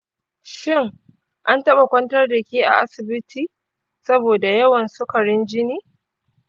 shin an taɓa kwantar da ke a asibiti saboda yawan sukarin jini?